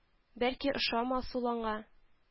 Бәлки ошамас ул аңа